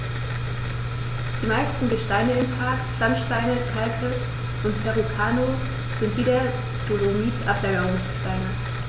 Die meisten Gesteine im Park – Sandsteine, Kalke und Verrucano – sind wie der Dolomit Ablagerungsgesteine.